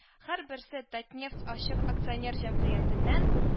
Һәрберсе татнефть ачык акционер җәмгыятеннән